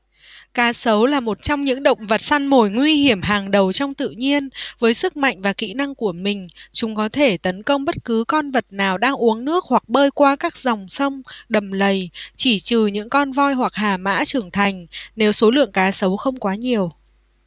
cá sấu là một trong những động vật săn mồi nguy hiểm hàng đầu trong tự nhiên với sức mạnh và kỹ năng của mình chúng có thể tấn công bất cứ con vật nào đang uống nước hoặc bơi qua các dòng sông đầm lầy chỉ trừ những con voi hoặc hà mã trưởng thành nếu số lượng cá sấu không quá nhiều